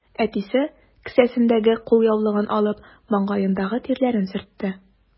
Әтисе, кесәсендәге кулъяулыгын алып, маңгаендагы тирләрен сөртте.